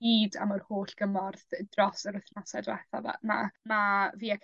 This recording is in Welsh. i chi gyd am yr holl gymorth dros yr wythnose dwetha 'ma. Ma' fi a...